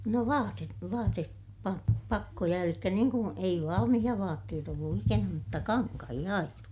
no --- vaatepakkoja eli niin kuin ei valmiita vaatteet ollut ikänä mutta kankaita aina